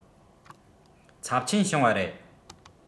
ཚབས ཆེན བྱུང བ རེད